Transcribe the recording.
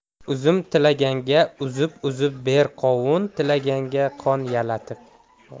uzum tilaganga uzib uzib ber qovun tilaganga qon yalatib